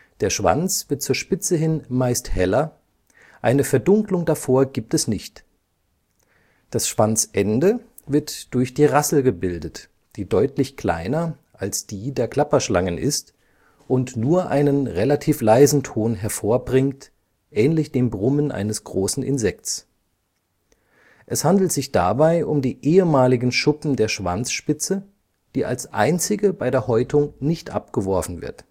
Der Schwanz wird zur Spitze hin meist heller, eine Verdunklung davor gibt es nicht. Das Schwanzende wird durch die Rassel gebildet, die deutlich kleiner als die der Klapperschlangen ist und nur einen relativ leisen Ton hervorbringt, ähnlich dem Brummen eines großen Insekts. Es handelt sich dabei um die ehemaligen Schuppen der Schwanzspitze, die als einzige bei der Häutung nicht abgeworfen wird